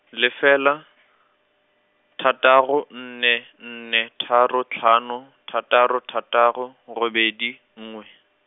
lefela , thataro nne nne tharo tlhano, thataro thataro, robedi, nngwe.